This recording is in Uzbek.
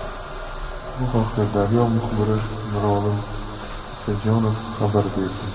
bu haqda daryo muxbiri mirolim isajonov xabar berdi